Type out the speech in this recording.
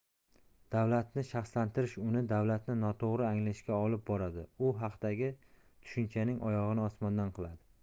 davlatni shaxslashtirish uni davlatni noto'g'ri anglashga olib boradi u haqdagi tushunchaning oyog'ini osmondan qiladi